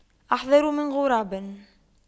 أحذر من غراب